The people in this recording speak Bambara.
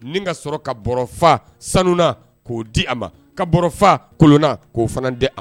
Ni n ka sɔrɔ ka bɔ fa sanuuna k'o di a ma ka bɔ fa kolonna k'o fana di